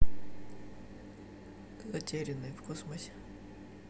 затерянные в космосе